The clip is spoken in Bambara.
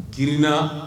Grinna